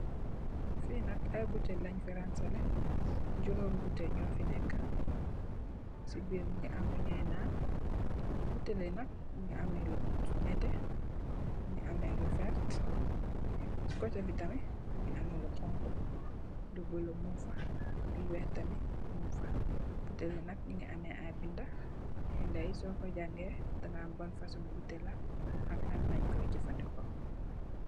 Fii nak, ay t butel lañg fi rangsalé, jute butel ñoo fi nekkë, si biir mu ngi am lu ñooy naan, butel yi nak, mu ngi am lu nétté, mu ngi am lu werta, si kotti tam mu ngi am lu xoñxu, lu bulo muñg fa, lu weex tam muñg fa. Butel yi nak, mu ngi am ay bindë. Binda yi nak soo ko jangee, di xam ban fasoñgi butel la ak lan lañ Koy jafëndeko.